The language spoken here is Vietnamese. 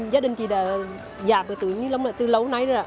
gia đình chị đã giảm cái túi ni lông từ lâu nay rồi